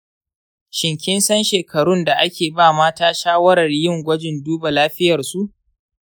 shin kinsan shekarun da ake ba mata shawarar yin gwajin duba lafiyarsu?